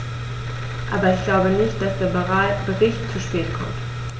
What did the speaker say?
Aber ich glaube nicht, dass der Bericht zu spät kommt.